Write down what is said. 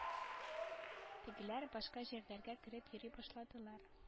Тегеләр башка җирләргә кереп йөри башладылар